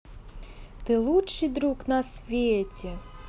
ты лучший друг на свете